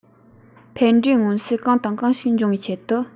ཕན འབྲས མངོན གསལ གང དང གང ཞིག འབྱུང བའི ཆེད དུ